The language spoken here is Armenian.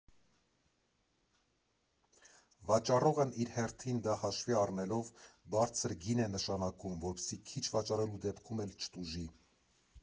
Վաճառողն էլ իր հերթին դա հաշվի առնելով՝ բարձր գին է նշանակում, որպեսզի քիչ վաճառելու դեպքում էլ չտուժի։